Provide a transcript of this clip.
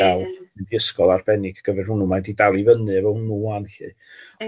...ga'l mynd i ysgol arbennig gyfer hwnnw mae o di dal i fyny efo hwnnw ŵan lly... Ia.